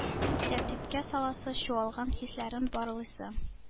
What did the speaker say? Тәртипкә саласы, чуалган хисләрен барлыйсы,